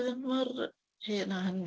Dwi ddim mor hen â hyn-